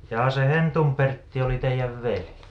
jaa se Hentun Pertti oli teidän veli